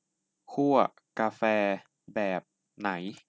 คั่วกาแฟแบบไหน